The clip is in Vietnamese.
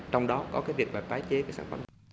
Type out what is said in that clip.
trong đó có cái việc là tái chế cái sản phẩm